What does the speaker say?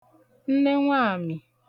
nnenwamị̀